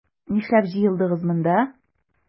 Нишләп җыелдыгыз монда?